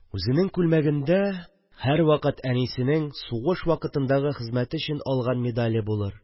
Үзенең күлмәгендә һәрвакыт әнисенең сугыш вакытындагы хезмәте өчен алган медале булыр